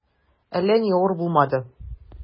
Әллә ни авыр булмады.